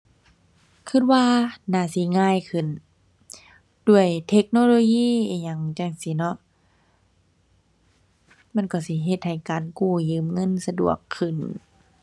คิดว่าน่าสิง่ายขึ้นด้วยเทคโนโลยีอิหยังจั่งซี้เนาะ มันคิดสิเฮ็ดให้การกู้ยืมเงินสะดวกขึ้น